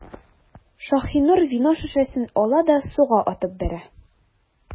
Шаһинур вино шешәсен ала да суга атып бәрә.